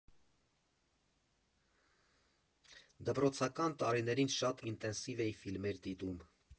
Դպրոցական տարիներին շատ ինտենսիվ էի ֆիլմեր դիտում։